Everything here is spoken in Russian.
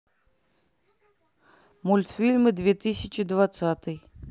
мультфильмы две тысячи двадцатый